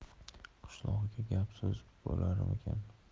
qishloqda gap so'z bo'larmikin